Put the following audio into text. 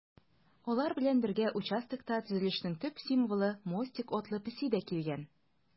Алар белән бергә участокта төзелешнең төп символы - Мостик атлы песи дә килгән.